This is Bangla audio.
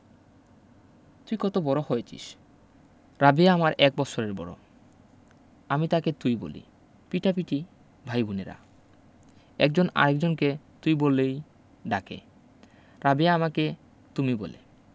তুই কত বড় হয়েছিস রাবেয়া আমার এক বৎসরের বড় আমি তাকে তুই বলি পিটাপিটি ভাইভুনেরা একজন আরেক জনকে তুই বলেই ডাকে রাবেয়া আমাকে তুমি বলে